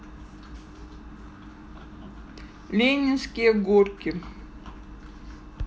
ленинские горки